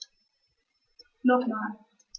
Nochmal.